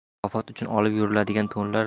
mukofot uchun olib yuriladigan to'nlar